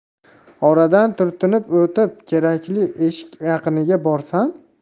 oradan turtinib o'tib kerakli eshik yaqiniga borsam